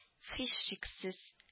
Һичшиксез